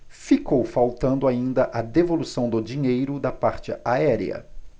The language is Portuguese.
ficou faltando ainda a devolução do dinheiro da parte aérea